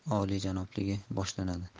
uning yanada olijanobligi boshlanadi